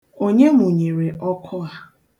Onye mụnyere ọkụ a?